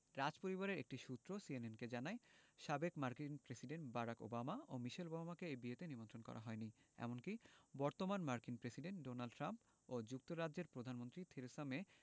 রাজপরিবারের একটি সূত্র সিএনএনকে জানায় সাবেক মার্কিন প্রেসিডেন্ট বারাক ওবামা ও মিশেল ওবামাকে এই বিয়েতে নিমন্ত্রণ করা হয়নি এমনকি বর্তমান মার্কিন প্রেসিডেন্ট ডোনাল্ড ট্রাম্প ও যুক্তরাজ্যের প্রধানমন্ত্রী থেরেসা মে